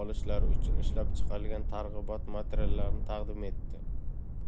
olishlari uchun ishlab chiqilgan targ'ibot materiallarini taqdim etdi